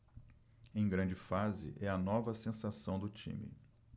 em grande fase é a nova sensação do time